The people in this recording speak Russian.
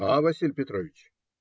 А, Василий Петрович?